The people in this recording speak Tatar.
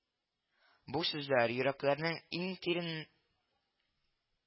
Бу сүзләр йөрәкләрнең иң тирен